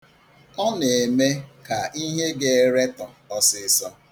Ọ na-eme ka ihe ga-eretọ ọsịịsọ.